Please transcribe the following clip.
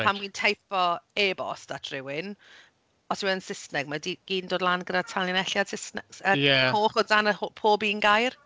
A pan wi'n teipo e-bost at rywun , os yw e yn Saesneg ma' 'di... gyd yn dod lan gyda tanlinelliad Saesne- yy... ie. ...coch o dan y ho- pob un gair.